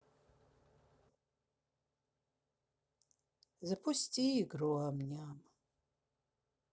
запусти игру ам ням